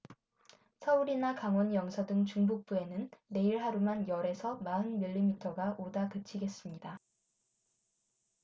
서울이나 강원 영서 등 중북부에는 내일 하루만 열 에서 마흔 밀리미터가 오다 그치겠습니다